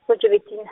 ko Joubertina.